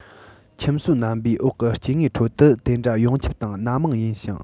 ཁྱིམ གསོས རྣམ པའི འོག གི སྐྱེ དངོས ཁྲོད དུ དེ འདྲ ཡོངས ཁྱབ དང སྣ མང ཡིན ཞིང